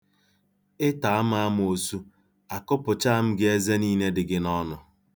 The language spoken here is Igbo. Ịta m amoosu, akụpụchaa m gị eze niile dị gị n'ọnụ.